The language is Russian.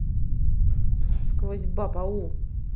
сквозь баб ау